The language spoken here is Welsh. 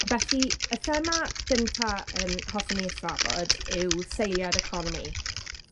Felly y thema gynta yym hoffwn i ei thrafod yw seilie'r economi.